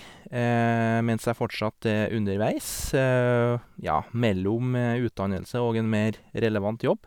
Mens jeg fortsatt er underveis, ja, mellom utdannelse og en mer relevant jobb.